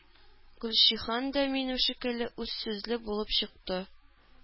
Гөлҗиһан да минем шикелле үзсүзле булып чыкты.